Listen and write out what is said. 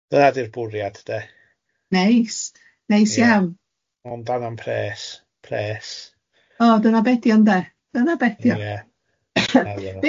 Dyna di'r bwriad de. Neis, neis iawn. Ie, ond angan pres, pres. O dyna be dio'n de, dyna be dio'n de. Ie.